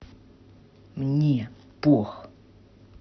мне пох